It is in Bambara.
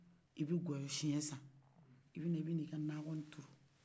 i bɛ gɔyɔ shɛn san i bɛ na i b'i ka nagɔ turu